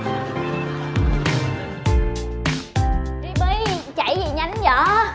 li bi chạy gì nhanh quá dợ